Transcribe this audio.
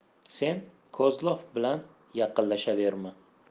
sen kozlov bilan yaqinlashaverma